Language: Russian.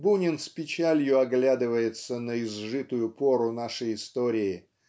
Бунин с печалью оглядывается на изжитую пору нашей истории